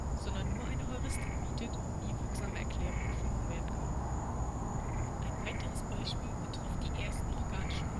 sondern nur eine Heuristik bietet, wie wirksame Erklärungen gefunden werden können. Ein weiteres Beispiel betrifft die ersten organischen